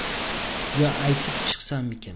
yo aytib chiqsammikan